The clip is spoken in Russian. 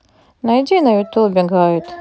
найди на ютубе гайд